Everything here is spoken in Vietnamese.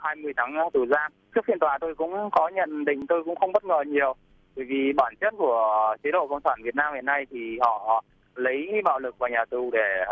hai mươi tháng tù giam trước phiên tòa tôi cũng có nhận định tôi cũng không bất ngờ nhiều bởi vì bản chất của chế độ cộng sản việt nam ngày nay thì họ lấy bạo lực và nhà tù để